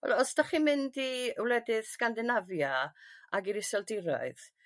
Wel os 'dach chi'n mynd i wledydd Sgandenafia ag i'r iseldiroedd